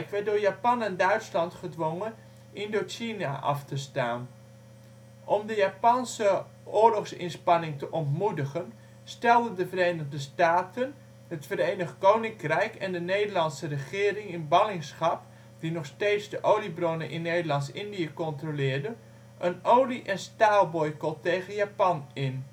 werd door Japan en Duitsland gedwongen Indochina af te staan. Om de Japanse oorlogsinspanning te ontmoedigen, stelden de Verenigde Staten, het Verenigd Koninkrijk en de Nederlandse regering in ballingschap die nog steeds de oliebronnen in Nederlands-Indië controleerde, een olie - en een staalboycot tegen Japan in